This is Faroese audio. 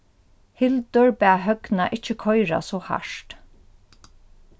hildur bað høgna ikki koyra so hart